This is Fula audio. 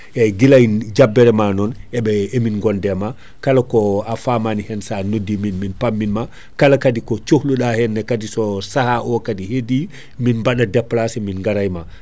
eyyi guilay jabbere ma non eɓe emi gonde me kala ko a faamani hen sa noddi min min pammine ma kala kaadi ko cohluɗa henne kadi so saha o kaadi heedi min baɗa déplacé min gara e ma